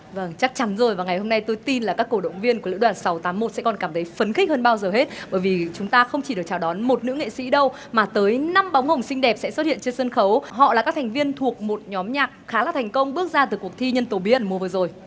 vâng chắc chắn rồi và ngày hôm nay tôi tin là các cổ động viên của lữ đoàn sáu tám một sẽ còn cảm thấy phấn khích hơn bao giờ hết bởi vì chúng ta không chỉ được chào đón một nữ nghệ sĩ đâu mà tới năm bóng hồng xinh đẹp sẽ xuất hiện trên sân khấu họ là các thành viên thuộc một nhóm nhạc khá thành công bước ra từ cuộc thi nhân tố bí ẩn mùa vừa rồi